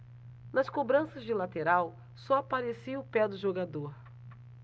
nas cobranças de lateral só aparecia o pé do jogador